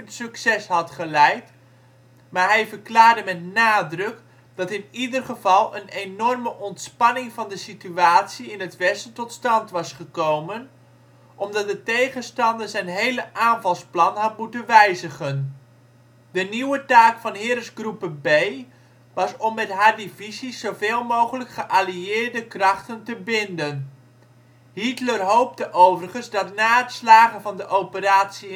geleid, maar hij verklaarde met nadruk dat in ieder geval een enorme ontspanning van de situatie in het westen tot stand was gekomen, omdat de tegenstander zijn hele aanvalsplan had moeten wijzigen. De nieuwe taak van Heeresgruppe B was om met haar divisies zoveel mogelijk geallieerde krachten te binden. Hitler hoopte overigens dat na het slagen van de operatie